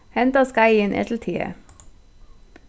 henda skeiðin er til te